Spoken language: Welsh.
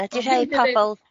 A 'di rhei pobol